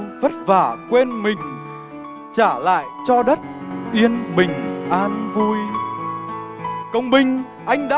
vất vả quên mình trả lại cho đất yên bình an vui công binh anh đã